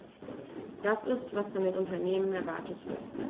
Das ist, was von den Unternehmen erwartet wird.